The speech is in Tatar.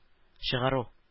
Чыгару